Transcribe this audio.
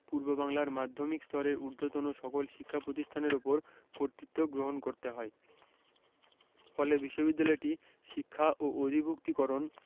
পূর্ববাংলার মাধ্যমিক স্তরের ঊধ্বর্তন সকল শিক্ষা প্রতিষ্ঠানের ওপর কর্তৃত্ব গ্রহণ করতে হয় ফলে বিশ্ববিদ্যালয়টি শিক্ষা ও অধিভূক্তিকরণ